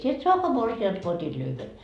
sinä et saakaan morsianta kun otit lyhyen